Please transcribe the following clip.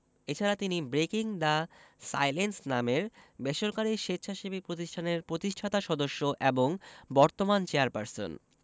এ ছাড়া তিনি breaking the silence নামের বেসরকারি স্বেচ্ছাসেবী প্রতিষ্ঠানের প্রতিষ্ঠাতা সদস্য এবং বর্তমান চেয়ারপারসন